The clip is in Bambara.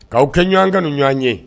K'aw kɛ ɲɔgɔn ka ni ɲɔgɔn ye